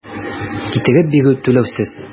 Китереп бирү - түләүсез.